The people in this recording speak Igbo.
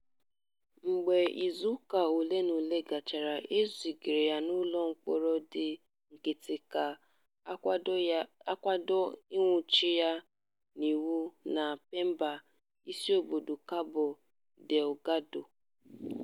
Mgbe izuụka ole na ole gachara, e zigara ya n'ụlọ mkpọrọ ndị nkịtị ka ha kwado nwụchi ya n'iwu na Pemba, isiobodo Cabo Delgado.